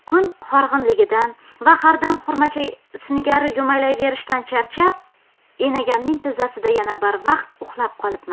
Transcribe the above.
kun horg'inligidan va hardam xurmacha singari yumalayverishdan charchab enagamning tizzasida yana barvaqt uxlab qolibman